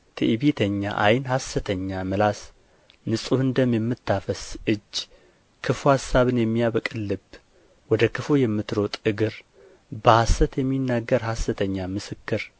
ትዕቢተኛ ዓይን ሐሰተኛ ምላስ ንጹሕን ደም የምታፈስስ እጅ ክፉ አሳብን የሚያበቅል ልብ ወደ ክፉ የምትሮጥ እግር በሐሰት የሚናገር ሐሰተኛ ምስክር